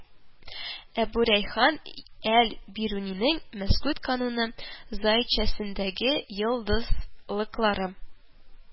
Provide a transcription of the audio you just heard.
Әбүрәйхан әл-Бирунинең «Мәсгуд кануны» зайичәсендәге йолдызлыклары